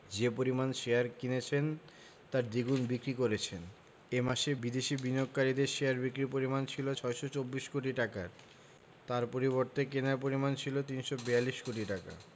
যে পরিমাণ শেয়ার কিনেছেন তার দ্বিগুণ বিক্রি করেছেন এ মাসে বিদেশি বিনিয়োগকারীদের শেয়ার বিক্রির পরিমাণ ছিল ৬২৪ কোটি টাকার তার বিপরীতে কেনার পরিমাণ ছিল ৩৪২ কোটি টাকা